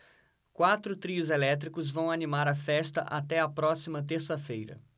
quatro trios elétricos vão animar a festa até a próxima terça-feira